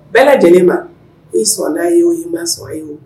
Bɛɛ lajɛlen ma i sɔnna ye o i ma sɔn a ye o